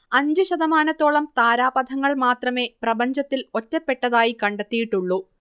അഞ്ച് ശതമാനത്തോളം താരാപഥങ്ങൾ മാത്രമേ പ്രപഞ്ചത്തിൽ ഒറ്റപ്പെട്ടതായി കണ്ടെത്തിയിട്ടുള്ളൂ